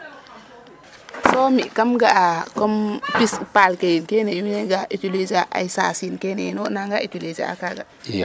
so mi kam ga a comme pis paal ke yiin kene yiin wene yiin wiin we ga utiliser a a sasiin kene yiin wo nanga utiliser a kaga